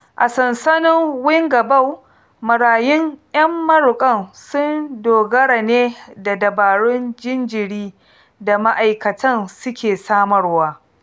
A Sansanin Wingabaw, marayun 'yan maruƙan sun dogara ne da dabarun jinjiri da ma'aikatan suke samarwa.